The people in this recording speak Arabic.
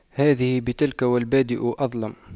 هذه بتلك والبادئ أظلم